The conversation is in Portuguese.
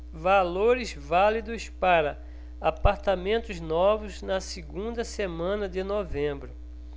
valores válidos para apartamentos novos na segunda semana de novembro